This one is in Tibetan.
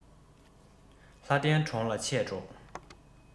ལྷ ལྡན གྲོང ལ ཆས འགྲོ